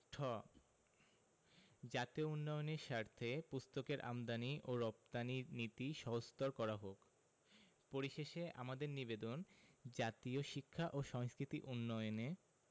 ঠ জাতীয় উন্নয়নের স্বার্থে পুস্তকের আমদানী ও রপ্তানী নীতি সহজতর করা হোক পরিশেষে আমাদের নিবেদন জাতীয় শিক্ষা ও সংস্কৃতি উন্নয়নে